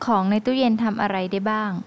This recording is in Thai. ของในตู้เย็นทำอะไรได้บ้าง